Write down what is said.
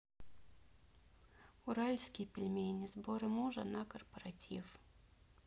уральские пельмени сборы мужа на корпоратив